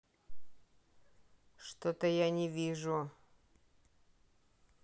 что то я не вижу